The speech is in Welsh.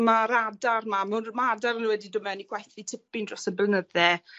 ma'r adar 'ma ma' nw ma' adar yn wedi dod mewn i gwaith fi tipyn dros y blynydde.